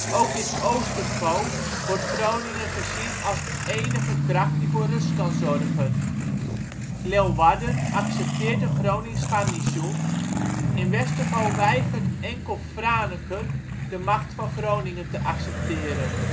ook in Oostergo wordt Groningen gezien als de enige kracht die voor rust kan zorgen. Leeuwarden accepteert een Gronings garnizoen. In Westergo weigert enkel Franeker de macht van Groningen te accepteren